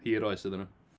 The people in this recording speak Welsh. Hir oes iddyn nhw.